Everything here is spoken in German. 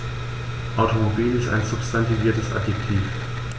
Automobil ist ein substantiviertes Adjektiv.